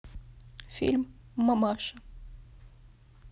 фильм мамаша